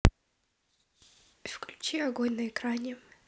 включи огонь на экране